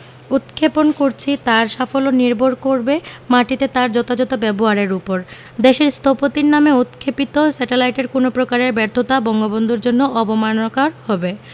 উৎক্ষেপণ করছি তার সাফল্য নির্ভর করবে মাটিতে তার যথাযথ ব্যবহারের ওপর দেশের স্থপতির নামে উৎক্ষেপিত স্যাটেলাইটের কোনো প্রকারের ব্যর্থতা বঙ্গবন্ধুর জন্য অবমাননাকর হবে